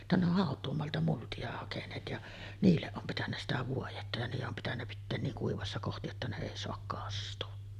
jotta ne on hautuumaalta multia hakeneet ja niille on pitänyt sitä vuodetta ja niiden on pitänyt pitää niin kuivassa kohti jotta ne ei saa kastua